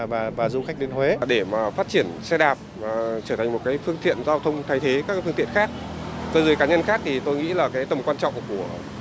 và và du khách đến huế để mà phát triển xe đạp trở thành một cái phương tiện giao thông thay thế các cái phương tiện khác cơ giới cá nhân khác thì tôi nghĩ là cái tầm quan trọng của